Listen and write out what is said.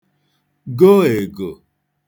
go (ègò)